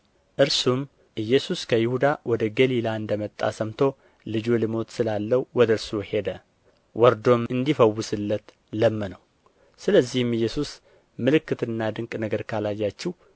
እርሱም ኢየሱስ ከይሁዳ ወደ ገሊላ እንደ መጣ ሰምቶ ልጁ ሊሞት ስላለው ወደ እርሱ ሄደ ወርዶም እንዲፈውስለት ለመነው ስለዚህም ኢየሱስ ምልክትና ድንቅ ነገር ካላያችሁ